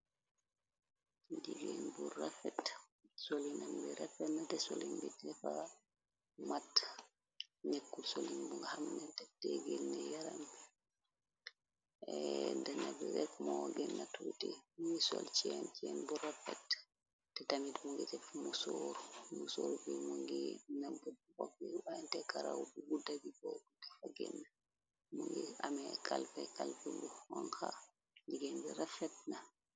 Kigeen bu rafet solinam mbi refena te solimbit refa mat nekku solin bu xam nente teggel ne yaramb dana bi ref moo genna tuuti ngi sol ceen ceen bu rafet te tamit mungi def musor musor bi mungi nagg wope inte karaw bu buddagi boo bu gafa genn mungi ame kalfe kalfi bu xonxa jigéen bi rafet na.